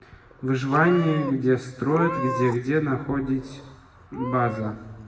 выживание где строят где где находить база